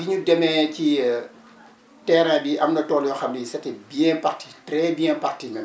bi ñu demee ci terrain bi am na tool yoo xam ni c' était bien parti très bien parti même